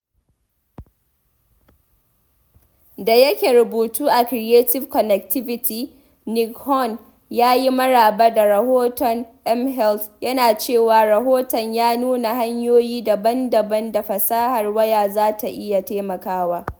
Da yake rubutu a Creative Connectivity, Nick Hunn yyi maraba da rahoton mHealth, yana cewa rahoton ya nuna hanyoyi daban-daban da fasahar waya za ta iya taimakawa.